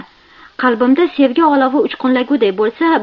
qalbimda sevgi olovi uchqunlaguday bo'lsa